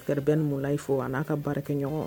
Ka Ben Mulayi fo an'a ka baarakɛ ɲɔgɔn!